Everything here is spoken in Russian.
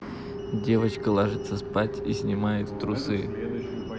девочка ложится спать и снимает трусы